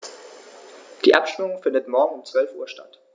Die Abstimmung findet morgen um 12.00 Uhr statt.